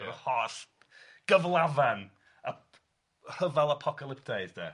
efo'r holl gyflafan a rhyfel apocalyptaidd de.